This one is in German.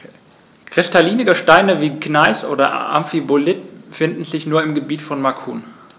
Kristalline Gesteine wie Gneis oder Amphibolit finden sich nur im Gebiet von Macun.